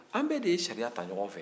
an bɛɛ de sariya ta ɲɔgɔn fɛ